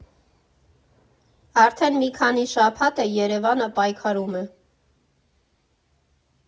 Արդեն մի քանի շաբաթ է՝ Երևանը պայքարում է։